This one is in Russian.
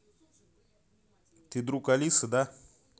ты друг алисы да